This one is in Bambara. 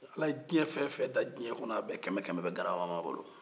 ala ye fɛn fɛn o fɛn dan diɲɛ kɔnɔ a kɛmɛ-kɛmɛ bɛ garaba bolo